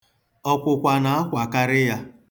Ọkwụkwa na-akwakarị ya.